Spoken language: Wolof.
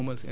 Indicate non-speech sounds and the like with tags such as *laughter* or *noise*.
*hesitation* *hesitation*